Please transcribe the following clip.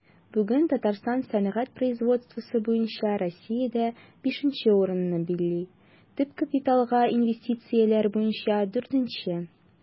Бүген Татарстан сәнәгать производствосы буенча Россиядә 5 нче урынны били, төп капиталга инвестицияләр буенча 4 нче.